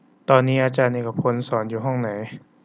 ตอนนี้อาจารย์เอกพลสอนอยู่ห้องไหน